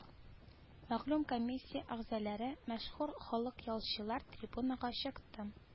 Мәгълүм комиссия әгъзалары мәшһүр халыкъялчылар трибунага чыкты